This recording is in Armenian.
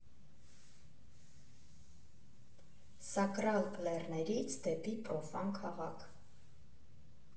ՍԱԿՐԱԼ ԼԵՌՆԵՐԻՑ ԴԵՊԻ ՊՐՈՖԱՆ ՔԱՂԱՔ.